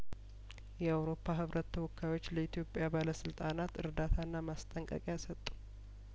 የአውሮፓ ህብረት ተወካዮች ለኢትዮጵያ ባለስልጣናት እርዳታና ማስጠንቀቂያ ሰጡ